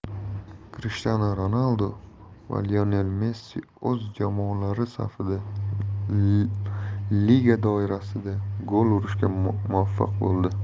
krishtianu ronaldu va lionel messi o'z jamoalari safida liga doirasida gol urishga muvaffaq bo'ldi